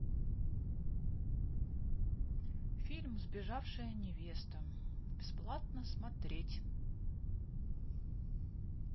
фильм сбежавшая невеста бесплатно смотреть